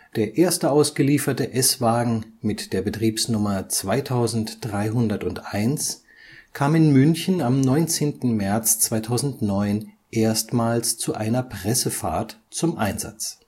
Der erste ausgelieferte S-Wagen mit der Betriebsnummer 2301 kam in München am 19. März 2009 erstmals zu einer Pressefahrt zum Einsatz